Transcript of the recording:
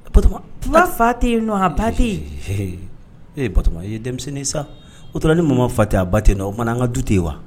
Kuma fa tɛ ye nɔn ba ee ba i ye denmisɛnnin sa o tora ni mun fati a ba tɛ nɔ o bamanan an ka du ten yen wa